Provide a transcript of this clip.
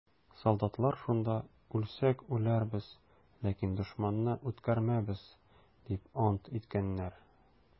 Солдатлар шунда: «Үлсәк үләрбез, ләкин дошманны үткәрмәбез!» - дип ант иткәннәр.